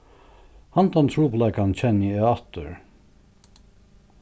handan trupulleikan kenni eg aftur